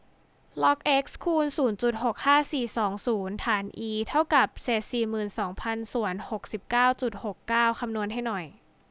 ล็อกเอ็กซ์คูณศูนย์จุดหกห้าสี่สองศูนย์ฐานอีเท่ากับเศษสี่หมื่นสองพันส่วนหกสิบเก้าจุดหกเก้าคำนวณให้หน่อย